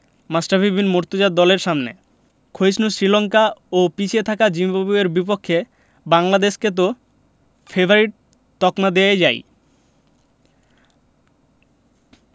মাশরাফি বিন মুর্তজার দলের সামনে ক্ষয়িষ্ণু শ্রীলঙ্কা ও পিছিয়ে থাকা জিম্বাবুয়ের বিপক্ষে বাংলাদেশকে তো ফেবারিট তকমা দেওয়াই যায়